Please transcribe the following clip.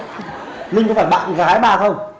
minh có phải bạn gái bà không